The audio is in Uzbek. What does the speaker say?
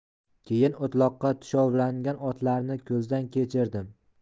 keyin o'tloqqa tushovlangan otlarni ko'zdan kechirdim